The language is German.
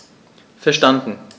Verstanden.